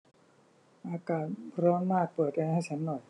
อากาศร้อนมากเปิดแอร์ให้ฉันหน่อย